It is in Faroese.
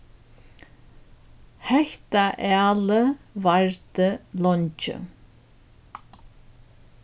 hetta ælið vardi leingi